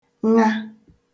ṅa